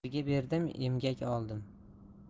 erga berdim emgak oldim